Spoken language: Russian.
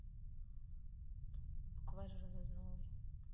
букварь железновой